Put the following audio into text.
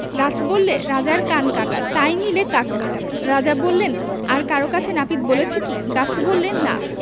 গাছ বললে ‘রাজার কান কাটা তাই নিলে কাক ব্যাটা রাজা বললেন আর কারো কাছে নাপিত বলেছে কি গাছ বললে না